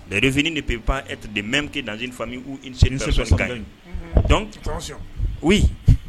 Mɛ fini de pe panpte de bɛ kɛ nan fasɔ ka